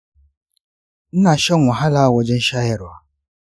ina shan wahala wajen shayarwa